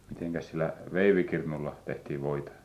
mitenkäs sillä veivikirnulla tehtiin voita